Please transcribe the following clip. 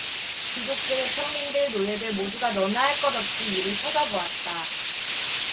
귀족들 평민들 노예들 모두가 너나 할 것 없이 위를 쳐다보았다